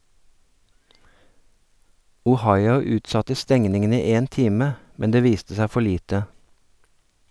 Ohio utsatte stengningen i én time, men det viste seg for lite.